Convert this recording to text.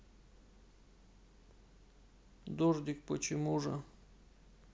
дождик почему же